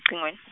-cingweni.